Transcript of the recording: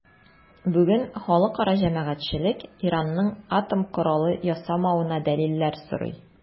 Бүген халыкара җәмәгатьчелек Иранның атом коралы ясамавына дәлилләр сорый.